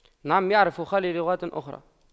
نعم يعرف خالي لغات أخرى